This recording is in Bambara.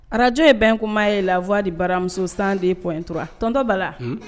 Arajo ye bɛnkunmaa ye lawadi baramusosan de ptura tɔnontɔ bala la